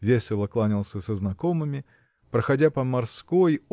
весело кланялся со знакомыми Проходя по Морской